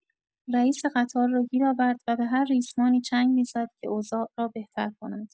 رئیس قطار را گیر آورد و به هر ریسمانی چنگ می‌زد که اوضاع را بهتر کند.